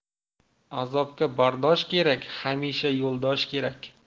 azobga bardosh kerak hamisha yo'ldosh kerak